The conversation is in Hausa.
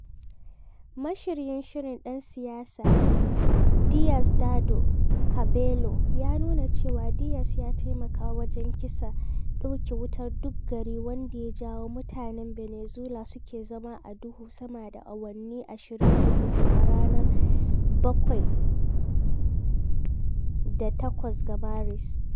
Mashiryin shirin, ɗan siyasa Diosdado Cabello, ya nuna cewa Diaz ya taimaka wajen kitsa ɗauke wutar duk gari wanda ya jawo mutanen ɓenezuela suke zama a duhu sama da awanni 24 a ranar 7 da 8 ga Maris.